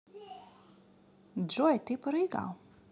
джой ты прыгал